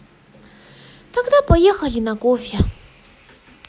тогда поехали на кофе